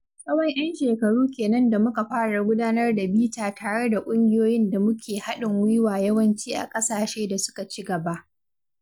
Tsawon 'yan shekaru ke nan da muka fara gudanar da bita tare da ƙungiyoyin da muke haɗin gwiwa yawanci a ƙasashe da suka ci gaba.